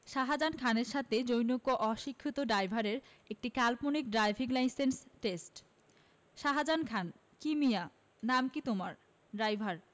শাজাহান খানের সাথে জনৈক অশিক্ষিত ড্রাইভারের একটি কাল্পনিক driving licence test Shahjahan Khan কি মিয়া নাম কি তোমার ড্রাইভার